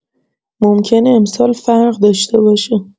ممکنه امسال فرق داشته باشه.